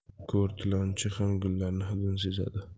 ko'r tilanchi ham gullarning hidini sezadi